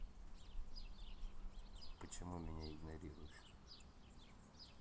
почему меня игноришь